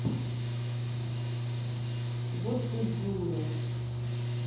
вот ты дура